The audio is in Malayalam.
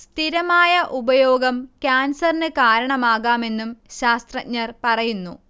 സ്ഥിരമായ ഉപയോഗം കാൻസറിന് കാരണമാകാമെന്നും ശാസ്ത്രജഞർ പറയുന്നു